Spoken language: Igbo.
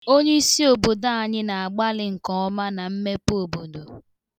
Onyeisi obodo anyị na-agbalị nke ọma na mmepe obodo.